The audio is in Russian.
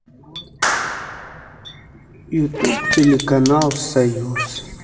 ютуб телеканал союз